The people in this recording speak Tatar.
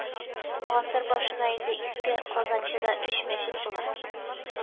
Гасыр башына инде иске казанчыда өч мәчет була